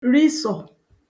risọ̀